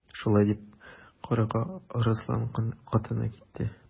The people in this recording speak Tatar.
Шулай дип Карга Арыслан катына китте.